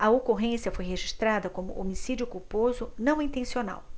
a ocorrência foi registrada como homicídio culposo não intencional